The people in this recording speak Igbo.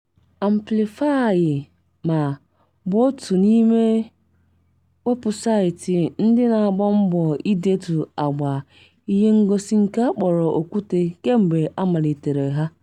Amplify.ma bụ otu n'ime webụsaịtị ndị na-agba mbọ ịdetu agba ihe ngosi nke a kpọrọ okwute kemgbe a malitere ha.